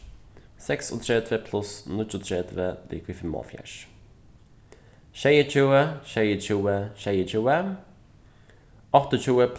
seksogtretivu pluss níggjuogtretivu ligvið fimmoghálvfjerðs sjeyogtjúgu sjeyogtjúgu sjeyogtjúgu áttaogtjúgu